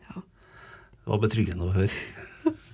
var betryggende å høre.